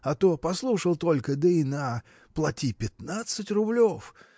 а то послушал только, да и на: плати пятнадцать рублев!